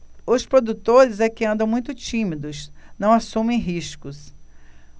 os produtores é que andam muito tímidos não assumem riscos